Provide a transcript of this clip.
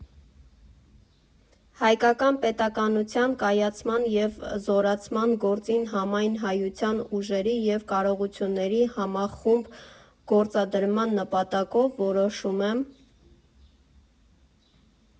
Հայկական պետականության կայացման և զորացման գործին համայն հայության ուժերի և կարողությունների համախումբ գործադրման նպատակով որոշում եմ…